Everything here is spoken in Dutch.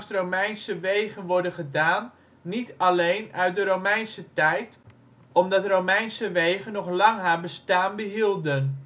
Romeinse wegen worden gedaan niet alleen uit de Romeinse tijd, omdat Romeinse wegen nog lang haar belang behielden